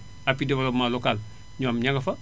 appui développement local ñoom ña nga fa